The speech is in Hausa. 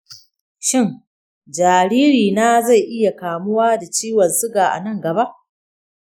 shin jaririna zai iya kamuwa da ciwon suga a nan gaba?